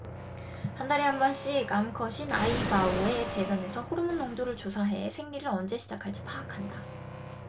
한 달에 한 번씩 암컷인 아이바오의 대변에서 호르몬 농도를 조사해 생리를 언제 시작할지 파악한다